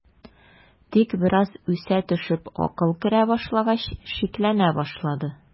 Тик бераз үсә төшеп акыл керә башлагач, шикләнә башлады.